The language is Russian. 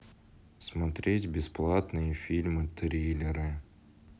смотреть бесплатные фильмы триллеры